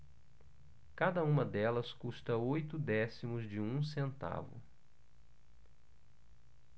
cada uma delas custa oito décimos de um centavo